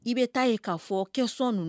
I bɛ taa yen k'a fɔ kɛsɔn ninnu